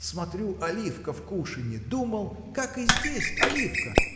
Смотрю, оливка в кушанье: думал, как и здесь оливка